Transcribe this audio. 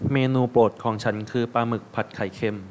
เมนูโปรดของฉันคือปลาหมึกผัดไข่เค็ม